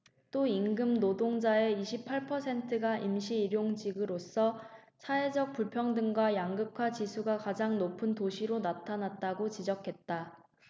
또 임금노동자의 이십 팔 퍼센트가 임시 일용직으로서 사회적 불평등과 양극화 지수가 가장 높은 도시로 나타났다 고 지적했다